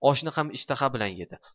oshni ham ishtaha bilan yedi